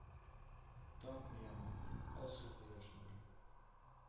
Таң уяна, алсу кояш нуры